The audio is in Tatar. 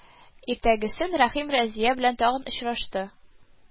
Иртәгесен Рәхим Разия белән тагын очрашты